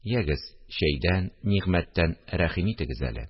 Ягез, чәйдән, нигъмәттән рәхим итегез әле